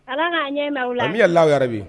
Ala k'a ɲɛ la an bɛ la yɛrɛ bi